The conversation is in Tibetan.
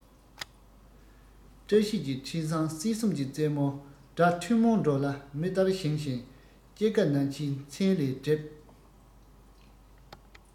བཀྲ ཤིས ཀྱི འཕྲིན བཟང སྲིད གསུམ གྱི རྩེ མོར སྒྲ ཐུན མོང འགྲོ ལ མི ལྟར བཞེངས ཤིང སྐྱེ རྒ ན འཆིའི མཚན མས བསྒྲིབས